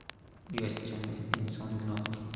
uyatchanlik inson gunohining